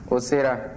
o sera